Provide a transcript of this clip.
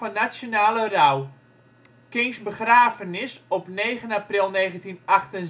nationale rouw. Kings begrafenis op 9 april 1968